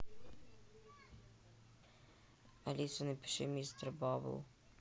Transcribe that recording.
алиса напиши mister booble